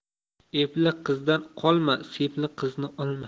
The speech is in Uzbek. epli qizdan qolma sepli qizni olma